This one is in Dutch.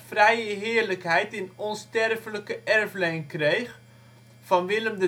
vrije heerlijkheid in ' onsterfelijke ' erfleen kreeg van Willem